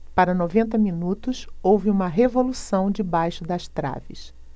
para noventa minutos houve uma revolução debaixo das traves